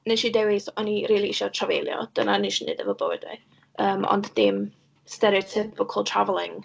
Wnes i dewis, o'n i rili isio trafeilio, dyna o'n i isio wneud efo bywydau. Yym, ond dim stereotypical travelling.